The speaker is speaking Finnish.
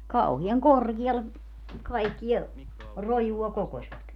kauhean korkealle kaikkea rojua kokosivat